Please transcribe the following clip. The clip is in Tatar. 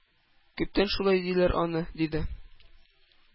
-күптән шулай диләр аны,- диде.